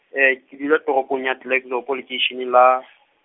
ke dula toropong ya Klerksdorp po lekeisheneng la .